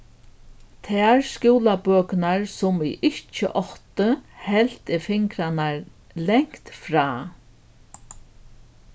tær skúlabøkurnar sum eg ikki átti helt eg fingrarnar langt frá